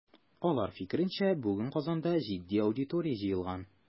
Алар фикеренчә, бүген Казанда җитди аудитория җыелган.